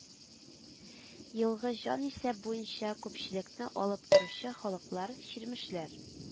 Елгы җанисәп буенча күпчелекне алып торучы халыклар: чирмешләр